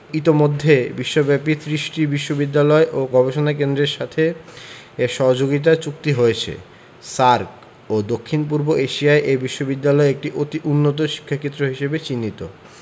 ইতোমধ্যে বিশ্বব্যাপী ত্রিশটি বিশ্ববিদ্যালয় ও গবেষণা কেন্দ্রের সাথে এর সহযোগিতা চুক্তি হয়েছে SAARC ও দক্ষিণ পূর্ব এশিয়ায় এ বিশ্ববিদ্যালয় একটি অতি উন্নত শিক্ষাক্ষেত্র হিসেবে চিহ্নিত